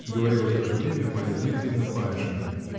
-- говорила в то же время Марья Дмитриевна Паншину.